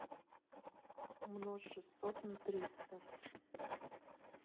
умножь шестьсот на триста